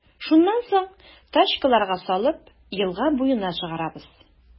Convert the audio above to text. Шуннан соң, тачкаларга салып, елга буена чыгарабыз.